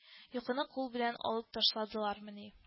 Йокыны кул белән алып ташладылармыни